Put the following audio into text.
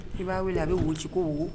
I b'a wele a bɛ woko wo